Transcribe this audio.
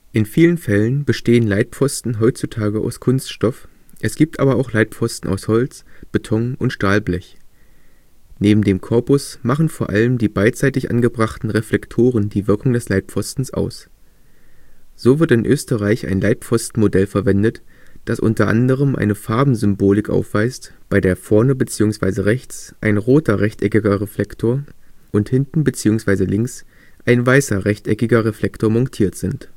In vielen Fällen bestehen Leitpfosten heutzutage aus Kunststoff, es gibt aber auch Leitpfosten aus Holz, Beton und Stahlblech. Neben dem Corpus machen vor allem die beidseitig angebrachten Reflektoren die Wirkung des Leitpfostens aus. So wird in Österreich ein Leitpfosten-Modell verwendet, das u. a. eine Farbensymbolik aufweist, bei der vorne bzw. rechts ein roter rechteckiger Reflektor und hinten bzw. links ein weißer rechteckiger Reflektor montiert sind